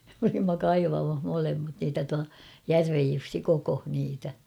me olimme kaivamassa molemmat niitä tuo Järven Jussi kokosi niitä